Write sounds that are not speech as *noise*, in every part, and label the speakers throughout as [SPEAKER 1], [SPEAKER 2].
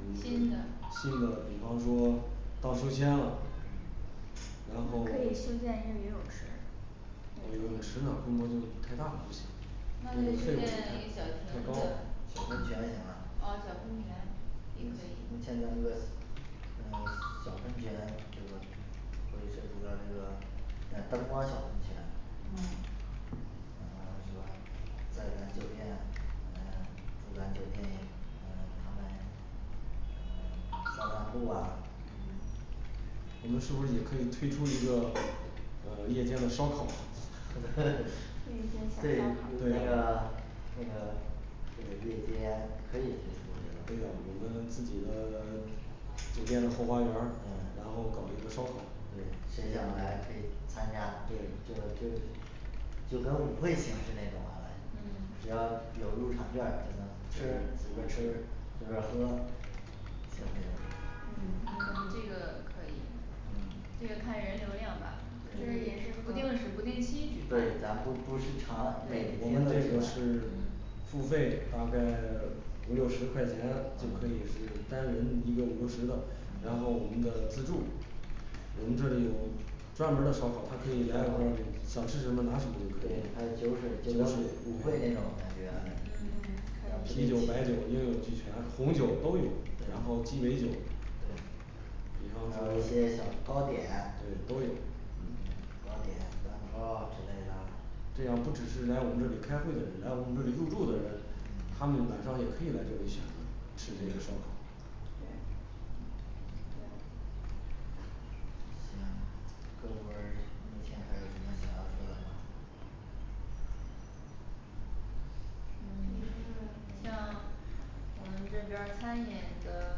[SPEAKER 1] 嗯
[SPEAKER 2] 新
[SPEAKER 1] 新
[SPEAKER 2] 的
[SPEAKER 1] 的比方说荡秋千啦然后
[SPEAKER 3] 可以修建一个游泳池
[SPEAKER 1] 游泳池那规模就太大了，不行。
[SPEAKER 2] 那
[SPEAKER 1] 我
[SPEAKER 2] 就
[SPEAKER 1] 们费
[SPEAKER 2] 修
[SPEAKER 1] 用
[SPEAKER 2] 建
[SPEAKER 1] 这
[SPEAKER 2] 一个小
[SPEAKER 1] 块儿太
[SPEAKER 2] 亭
[SPEAKER 1] 高
[SPEAKER 2] 子
[SPEAKER 1] 了
[SPEAKER 4] 小喷泉行
[SPEAKER 2] 啊
[SPEAKER 4] 啦
[SPEAKER 2] 小喷泉也可以嗯
[SPEAKER 4] 嗯是吧在咱酒店嗯住咱酒店嗯他们嗯散散步啊
[SPEAKER 2] 嗯
[SPEAKER 1] 我们是不是也可以推出一个呃夜间的烧烤啊
[SPEAKER 3] 可以做小烧烤
[SPEAKER 1] 对啊我们自己的 *silence* 酒店的后花园儿，然
[SPEAKER 4] 对
[SPEAKER 1] 后搞一个烧烤
[SPEAKER 4] 嗯对，接下来可以参加
[SPEAKER 1] 对
[SPEAKER 4] 就就就就跟舞会形式那种啊嘞，
[SPEAKER 2] 嗯
[SPEAKER 4] 只要有入场券儿就能吃
[SPEAKER 1] 吃
[SPEAKER 4] 随便儿吃随便儿喝像这样
[SPEAKER 2] 嗯感觉这个可以
[SPEAKER 4] 嗯
[SPEAKER 2] 这个看人流量吧不定时不定期举办
[SPEAKER 4] 对，咱不不是长对
[SPEAKER 1] 我们这个是付费大概五六十块钱，就可以是
[SPEAKER 4] 嗯
[SPEAKER 1] 单人一个五六十的，然后我
[SPEAKER 4] 嗯
[SPEAKER 1] 们的自助我们这里有专门儿的烧烤，他可以来到这里想吃什么拿什么就可
[SPEAKER 4] 对还有
[SPEAKER 1] 以
[SPEAKER 4] 酒水
[SPEAKER 1] 酒水
[SPEAKER 4] 舞会那种感觉
[SPEAKER 3] 嗯
[SPEAKER 2] 嗯
[SPEAKER 1] 啤酒，白酒应有俱全，红酒都有，然
[SPEAKER 4] 对
[SPEAKER 1] 后鸡尾酒
[SPEAKER 4] 对
[SPEAKER 1] 比方
[SPEAKER 4] 还
[SPEAKER 1] 说
[SPEAKER 4] 有一些小糕点
[SPEAKER 1] 对
[SPEAKER 4] 都有嗯糕点蛋糕啊之类的
[SPEAKER 1] 这样不只是来我们这里开会的人，来我们这里入住的人
[SPEAKER 4] 嗯
[SPEAKER 1] 他们晚上也可以来这里选择，吃这个烧烤
[SPEAKER 3] 对对
[SPEAKER 4] 嗯各部门儿目前还有什么想要说的吗
[SPEAKER 3] 一是
[SPEAKER 2] 嗯
[SPEAKER 3] 因为
[SPEAKER 2] 像我们这边儿餐饮的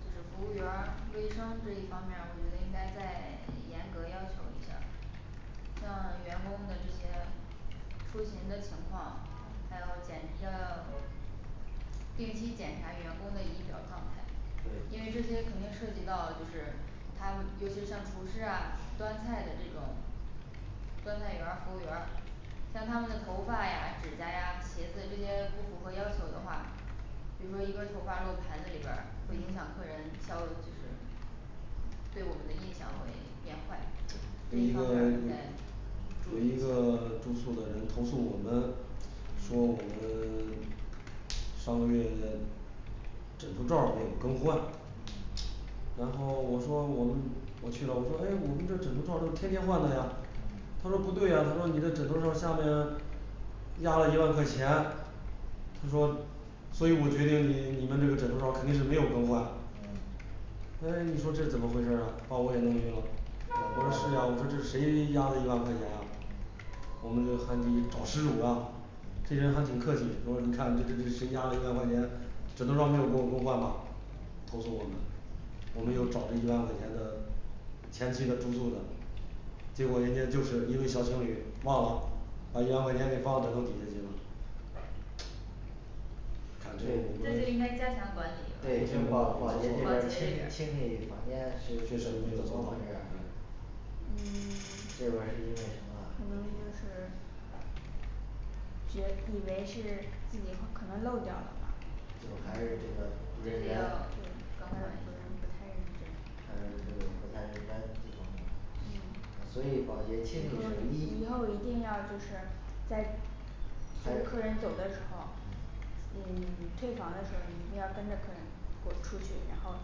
[SPEAKER 2] 这个服务员儿卫生这一方面儿，我觉得应该再严格要求一下儿像员工的这些出勤的情况，还有减要定期检查员工的仪表状态
[SPEAKER 4] 对
[SPEAKER 2] 因为这些肯定涉及到就是他尤其是像厨师啊端菜的这种端菜员儿服务员儿对我们的印象会变坏，这
[SPEAKER 1] 有
[SPEAKER 2] 一
[SPEAKER 1] 一
[SPEAKER 2] 方面儿
[SPEAKER 1] 个
[SPEAKER 2] 应该对
[SPEAKER 1] 有一个 *silence* 住宿的人投诉我们，说我们 *silence* 上个月枕头罩儿没有更换，
[SPEAKER 4] 嗯
[SPEAKER 1] 然后我说我们我去了，我说哎我们这枕头罩儿都是天天换的呀，
[SPEAKER 4] 嗯
[SPEAKER 1] 他说不对呀他说你的枕头罩儿下面压了一万块钱，他说所以我决定你你们这个枕头罩儿肯定是没有更换
[SPEAKER 4] 嗯
[SPEAKER 1] 哎你说这怎么回事儿啊把我也弄晕了
[SPEAKER 4] 嗯嗯嗯
[SPEAKER 1] 我们又找了一万块钱的前期的住宿的，结果人家就是因为小情侣忘了把一万块钱给放到枕头底下去了看
[SPEAKER 2] 这就
[SPEAKER 1] 这
[SPEAKER 2] 应该加强管理
[SPEAKER 1] 确实是没有做好
[SPEAKER 3] 嗯 *silence*
[SPEAKER 4] 这边儿是因为什么
[SPEAKER 3] 可能就是觉以为是自己可能漏掉了吧
[SPEAKER 4] 就还是这个不认
[SPEAKER 3] 还
[SPEAKER 4] 真
[SPEAKER 3] 是不认不太认真
[SPEAKER 4] 还有就是不太认真这方面
[SPEAKER 3] 嗯以后以后一定要就是在
[SPEAKER 4] 还
[SPEAKER 3] 客
[SPEAKER 4] 有
[SPEAKER 3] 人走的时候儿，嗯 *silence* 退房的时候儿，你一定要跟着客人过出去，然后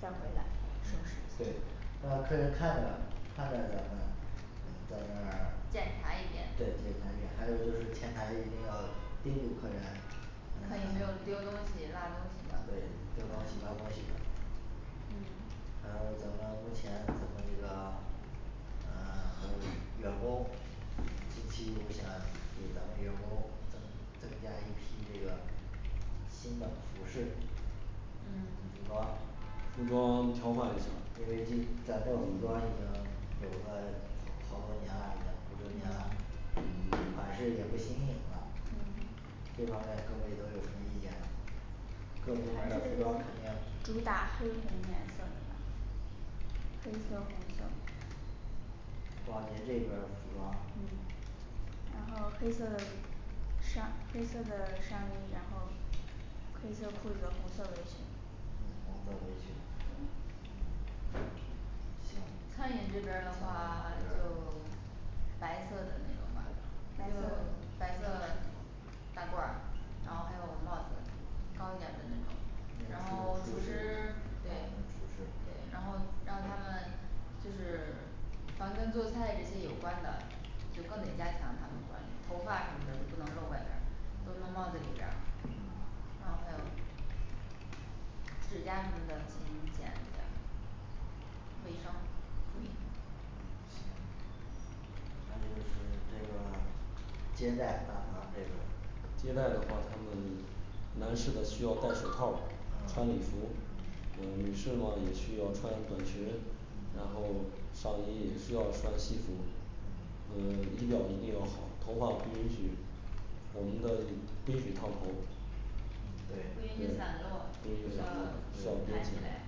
[SPEAKER 3] 再回来收
[SPEAKER 4] 对
[SPEAKER 3] 拾
[SPEAKER 4] 让客人看着看着咱们嗯在那儿
[SPEAKER 3] 检查一遍
[SPEAKER 4] 对检查一遍还有前台一定要盯住客人
[SPEAKER 2] 看有没有丢东
[SPEAKER 4] 嗯 *silence*
[SPEAKER 2] 西落东
[SPEAKER 4] 对
[SPEAKER 2] 西的
[SPEAKER 4] 丢东西落东西的
[SPEAKER 3] 嗯
[SPEAKER 2] 嗯
[SPEAKER 4] 服装
[SPEAKER 1] 服装调换一下儿
[SPEAKER 4] 因为今咱这服装已经，有了好多年啦，也五六年啦
[SPEAKER 2] 嗯，
[SPEAKER 4] 款式也不新颖啦
[SPEAKER 2] 嗯。
[SPEAKER 4] 这方面各位都有什么意见呢各部门儿
[SPEAKER 3] 还
[SPEAKER 4] 的服
[SPEAKER 3] 是
[SPEAKER 4] 装肯定
[SPEAKER 3] 主打黑红颜色的吧黑色红色
[SPEAKER 4] 保洁这边儿服装，
[SPEAKER 3] 嗯嗯然后黑色的上黑色的上衣，然后黑色裤子，红色围裙，
[SPEAKER 4] 嗯红色围裙嗯行
[SPEAKER 2] 餐饮这边儿的话 *silence* 就白色的那种吧，还有
[SPEAKER 3] 白色
[SPEAKER 2] 白色大褂儿，然后还有帽子高一点儿的那种
[SPEAKER 4] 嗯厨厨师厨师啊
[SPEAKER 2] 指甲什么的勤剪剪，卫生
[SPEAKER 4] 嗯行还有就是这个接待大堂
[SPEAKER 1] 接
[SPEAKER 4] 这边儿
[SPEAKER 1] 待的话他们男士的需要戴手套儿
[SPEAKER 4] 嗯
[SPEAKER 1] 穿礼服儿
[SPEAKER 4] 嗯
[SPEAKER 1] 呃女士嘛也需要穿短裙，然
[SPEAKER 4] 嗯
[SPEAKER 1] 后上衣也需要穿西服儿
[SPEAKER 4] 嗯
[SPEAKER 1] 呃仪表一定要好，头发不允许我们的不允许烫头。
[SPEAKER 2] 不允
[SPEAKER 1] 对
[SPEAKER 4] 嗯对
[SPEAKER 1] 不允
[SPEAKER 2] 许
[SPEAKER 1] 许
[SPEAKER 2] 散
[SPEAKER 1] 散
[SPEAKER 2] 落，要
[SPEAKER 1] 落盘
[SPEAKER 2] 盘
[SPEAKER 1] 起
[SPEAKER 2] 起来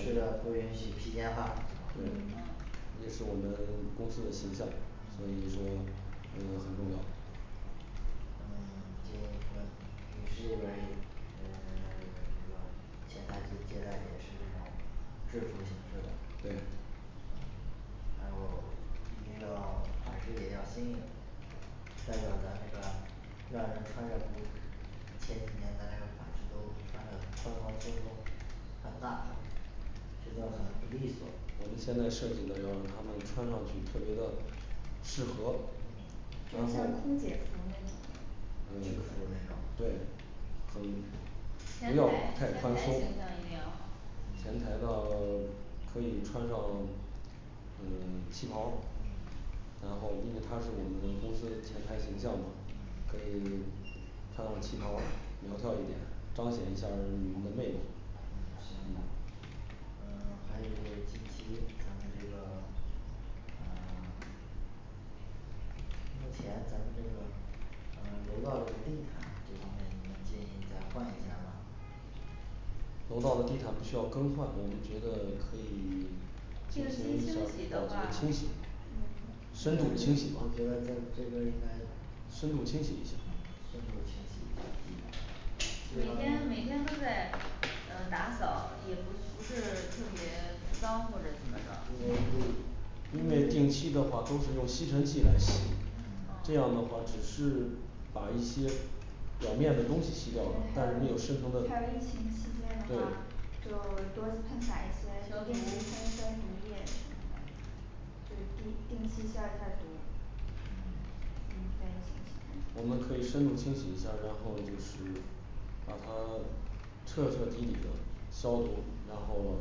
[SPEAKER 1] 来。
[SPEAKER 4] 女士要不允许披肩发
[SPEAKER 1] 对
[SPEAKER 2] 嗯
[SPEAKER 1] 也是我们公司的形象，所以说嗯很重要
[SPEAKER 4] 嗯就是我们女士这边儿嗯 *silence* 这个前台接待也是这种制服形式的
[SPEAKER 1] 对
[SPEAKER 4] 还有一定要款式也要新颖代表咱这个让人穿制服前几年大家款式都穿的宽宽松松，很大觉得很不利索，嗯
[SPEAKER 1] 我们，现在设计的要，他们穿上去特别的适合
[SPEAKER 4] 嗯
[SPEAKER 1] 然
[SPEAKER 2] 就是像
[SPEAKER 1] 后
[SPEAKER 2] 空姐服那种的
[SPEAKER 4] 制服那种
[SPEAKER 1] 嗯对。很。
[SPEAKER 2] 前
[SPEAKER 1] 不
[SPEAKER 2] 台前
[SPEAKER 1] 要太
[SPEAKER 2] 台形
[SPEAKER 1] 宽
[SPEAKER 2] 象
[SPEAKER 1] 松
[SPEAKER 2] 一定要好，
[SPEAKER 1] 前台呢 *silence* 可以穿上嗯旗袍
[SPEAKER 4] 嗯
[SPEAKER 1] 然后因为她是我们公司前台形象嘛，可
[SPEAKER 4] 嗯
[SPEAKER 1] 以穿上旗袍儿苗条一点，彰显一下儿你们的魅力
[SPEAKER 4] 行吧。 嗯还有就是近期咱们这个嗯 *silence* 目前咱们这个呃楼道这个地毯这方面你们建议再换一下儿吗
[SPEAKER 1] 楼道的地毯不需要更换，我们觉得可以进行一下儿保洁清洗
[SPEAKER 3] 嗯
[SPEAKER 1] 深度清洗
[SPEAKER 4] 我觉得在这边儿应该
[SPEAKER 1] 深度清洗一下
[SPEAKER 4] 嗯深度清洗一下
[SPEAKER 1] 嗯
[SPEAKER 2] 每天每天都在嗯打扫，也不不是住也脏或者什么的啊
[SPEAKER 1] 因为定期的话都是用吸尘器来吸
[SPEAKER 4] 嗯
[SPEAKER 1] 这样的话只是把一些
[SPEAKER 2] 消毒
[SPEAKER 3] 就定定期消一下儿毒
[SPEAKER 4] 嗯
[SPEAKER 3] 嗯在疫情期间
[SPEAKER 1] 我们可以深度清洗一下儿然后就是把它彻彻底底的消毒，然后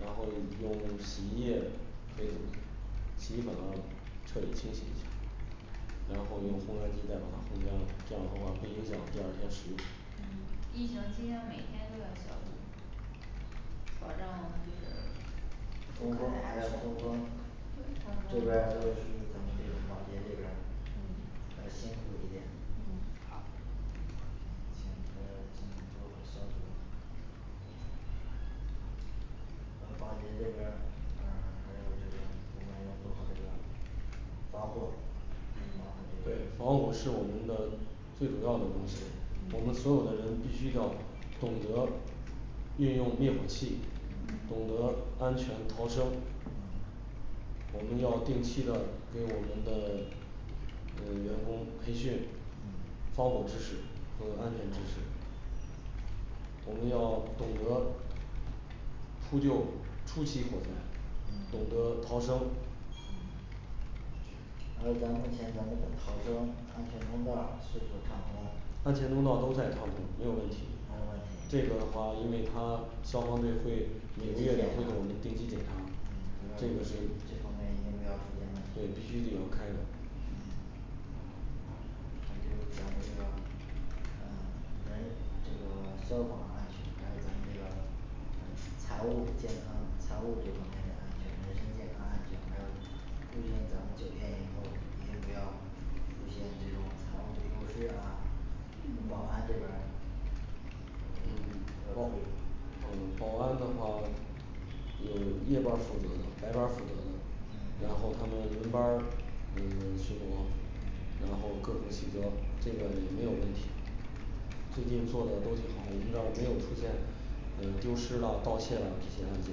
[SPEAKER 1] 然后用洗衣液这种洗衣粉啊彻底清洗一下然后用烘干机再把它烘干了，这样的话不影响第二天使用
[SPEAKER 2] 嗯疫情期间每天都要消毒，保证就是顾
[SPEAKER 4] 通
[SPEAKER 2] 客
[SPEAKER 4] 风
[SPEAKER 2] 的安
[SPEAKER 4] 还要
[SPEAKER 2] 全
[SPEAKER 4] 通风
[SPEAKER 2] 对通
[SPEAKER 4] 这边儿，
[SPEAKER 2] 风
[SPEAKER 4] 就是咱们这个保洁这边儿
[SPEAKER 2] 嗯
[SPEAKER 4] 呃辛苦一点
[SPEAKER 2] 嗯
[SPEAKER 4] 啊行再进行消毒呃保洁这边儿嗯还有这个我们要做好这个防火，防火这
[SPEAKER 1] 对
[SPEAKER 4] 一，
[SPEAKER 1] 防火是我们的最主要的东西，我们
[SPEAKER 4] 嗯
[SPEAKER 1] 所有的人必须要懂得运用灭火器，懂得安全逃生。
[SPEAKER 4] 嗯
[SPEAKER 1] 我们要定期的给我们的嗯员工培训
[SPEAKER 4] 嗯
[SPEAKER 1] 防火知识和安全知识我们要懂得扑救初期火灾，
[SPEAKER 4] 嗯
[SPEAKER 1] 懂得逃生
[SPEAKER 4] 嗯还有咱目前咱们的逃生安全通道是否畅通，
[SPEAKER 1] 安全通道都在畅通，没有问
[SPEAKER 4] 没
[SPEAKER 1] 题
[SPEAKER 4] 有问题定期检查嗯这方面一定不要出现任何
[SPEAKER 1] 对，
[SPEAKER 4] 问题
[SPEAKER 1] 必须得要开的
[SPEAKER 4] 嗯咱就咱们这个嗯人这个消防安全还有咱这个
[SPEAKER 2] 嗯
[SPEAKER 4] 保安这边儿
[SPEAKER 1] 嗯保安的话呃夜班儿负责的，白班儿负责的，然后他们轮班儿嗯 *silence* 巡逻然后各种负责这个也没有问题最近做的都挺好，我们这儿没有出现嗯丢失了盗窃了这些案件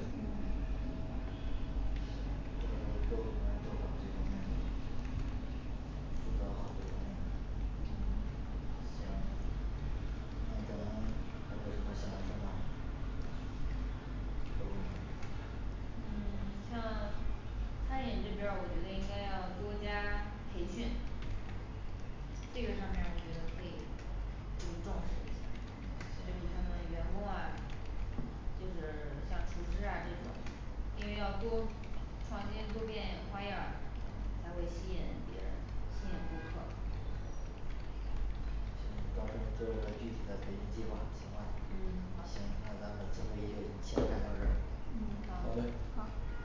[SPEAKER 2] 嗯嗯
[SPEAKER 4] 嗯那咱们还有谁还想要说吗各部门儿
[SPEAKER 2] 嗯 *silence* 像餐饮这边儿我觉得应该要多加培训这个上面儿我觉得可以就重视一下
[SPEAKER 4] 嗯。
[SPEAKER 2] 就是他
[SPEAKER 4] 行
[SPEAKER 2] 们员工啊就是像厨师啊这种，因为要多创新多变花样儿才会吸引人别人，吸引顾客
[SPEAKER 4] 行，到时候你做个具体的培训计划行吧
[SPEAKER 2] 嗯
[SPEAKER 4] 行那咱本次会议先开到这儿
[SPEAKER 3] 嗯
[SPEAKER 1] 好
[SPEAKER 2] 好
[SPEAKER 1] 嘞
[SPEAKER 3] 好